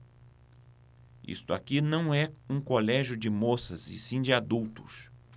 isto aqui não é um colégio de moças e sim de adultos